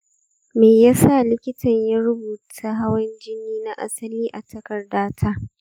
me ya sa likitan ya rubuta hawan jini na asali a takardata?